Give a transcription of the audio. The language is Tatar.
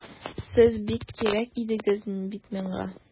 Сез бик кирәк идегез бит миңа!